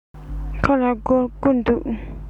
ཁོ ལ སྒོར དགུ འདུག